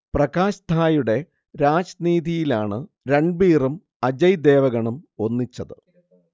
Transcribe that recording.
പ്രകാശ് ഝായുടെ രാജ്നീതിയിലാണ് രൺബീറും അജയ് ദേവ്ഗണും ഒന്നിച്ചത്